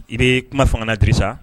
I bɛ kuma fanga dirisa